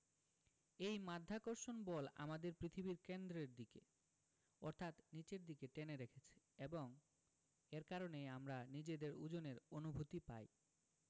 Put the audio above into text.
এই মাধ্যাকর্ষণ বল আমাদের পৃথিবীর কেন্দ্রের দিকে অর্থাৎ নিচের দিকে টেনে রেখেছে এবং এর কারণেই আমরা নিজেদের ওজনের অনুভূতি পাই